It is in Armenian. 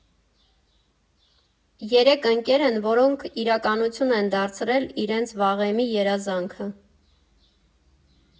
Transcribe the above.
Երեք ընկեր են, որոնք իրականություն են դարձրել իրենց վաղեմի երազանքը։